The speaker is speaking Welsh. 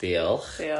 Diolch. Diolch.